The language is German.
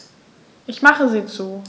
Ich mache sie zu.